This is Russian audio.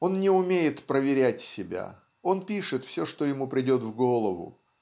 Он не умеет проверять себя он пишет все что ему придет в голову